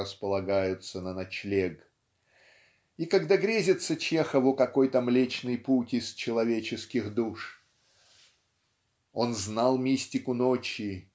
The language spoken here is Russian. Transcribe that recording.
располагаются на ночлег" и когда грезится Чехову какой-то млечный путь из человеческих душ. Он знал мистику ночи